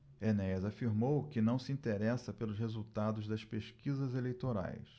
enéas afirmou que não se interessa pelos resultados das pesquisas eleitorais